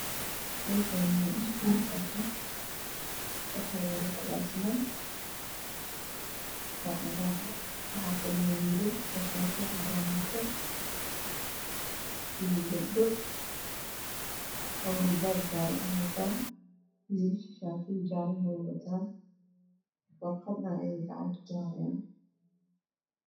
Meshaani waa isguul waxaa yala kuraasman cadan ah waaa fadhiya gabdho iyo wiilaal oo shatiyo cadana wataan iyo gabdho xijab jala ah watan shatiyal warqad ayeey gacanta ku hayan